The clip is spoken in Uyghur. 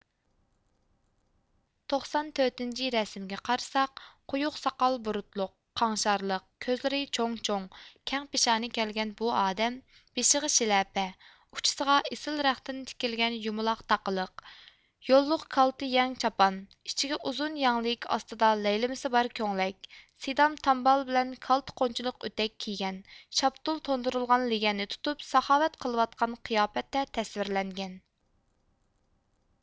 توقسان تۆتىنچى رەسىمگە قارىساق قۇيۇق ساقال بۇرۇتلۇق قاڭشارلىق كۆزلىرى چوڭ چوڭ كەڭ پېشانە كەلگەن بۇ ئادەم بېشىغا شىلەپە ئۇچىسىغا ئېسىل رەختتىن تىكىلگەن يۇمىلاق تاقىلىق يوللۇق كالتە يەڭ چاپان ئىچىگە ئۇزۇن يەڭلىك ئاستىدا لەيلىمىسى بار كۆڭلەك سىدام تامبال بىلەن كالتا قونچىلىق ئۆتۈك كىيگەن شاپتۇل تولدۇرۇلغان لىگەننى تۇتۇپ ساخاۋەت قىلىۋاتقان قىياپەتتە تەسۋىرلەنگەن